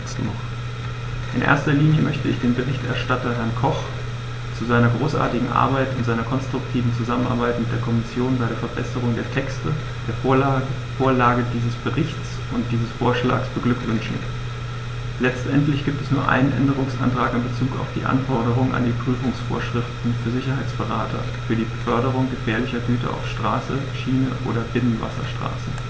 In erster Linie möchte ich den Berichterstatter, Herrn Koch, zu seiner großartigen Arbeit und seiner konstruktiven Zusammenarbeit mit der Kommission bei der Verbesserung der Texte, der Vorlage dieses Berichts und dieses Vorschlags beglückwünschen; letztendlich gibt es nur einen Änderungsantrag in bezug auf die Anforderungen an die Prüfungsvorschriften für Sicherheitsberater für die Beförderung gefährlicher Güter auf Straße, Schiene oder Binnenwasserstraßen.